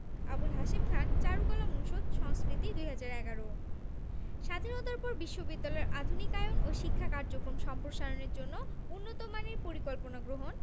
আবুল হাশেম খান চারুকলা অনুষদ সংস্কৃতি ২০১১ স্বাধীনতার পর বিশ্ববিদ্যালয়ের আধুনিকায়ন ও শিক্ষা কার্যক্রম সম্প্রসারণের জন্য উন্নতমানের পরিকল্পনা গ্রহণ